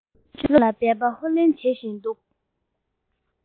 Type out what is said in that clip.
སློབ སྦྱོང ལ འབད པ ཧུར ལེན བྱེད བཞིན འདུག